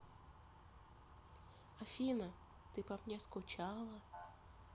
афина ты по мне скучала